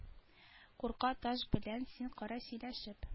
Курка таш белән син кара сөйләшеп